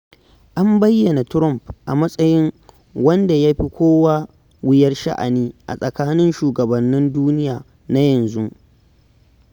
An bayyana Trump a matsayin 'wanda ya fi kowa wuyar sha'ani a tsakanin shugabannin duniya na yanzu'.